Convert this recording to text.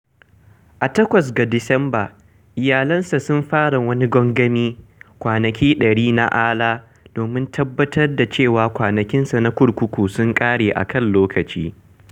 A 8 ga Disamba, iyalinsa sun fara wani gangami - "kwanaki 100 na Alaa" - domin tabbatar da cewa kwanakinsa na kurkuku sun ƙare a kan lokaci.